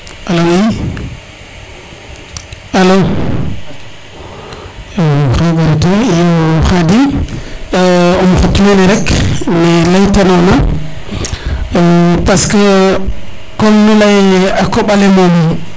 alo oui alo o oxaga reta iyo Khadim im xot mene rek ne leyta nona parce que comme nu leya ye a koɓale moom